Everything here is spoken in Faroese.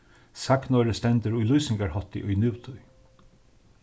sagnorðið stendur í lýsingarhátti í nútíð